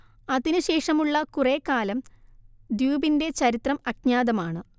അതിനു ശേഷമുള്ള കുറെ കാലം ദ്വീപിന്റെ ചരിത്രം അജ്ഞാതമാണ്